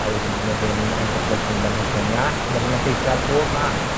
a wedyn 'dyn nw ddim yn datblu yn blanhigion iach. Ma' fe'n effeithio ar bob math